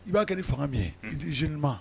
I b'a kɛ ni faga min ye i diz ma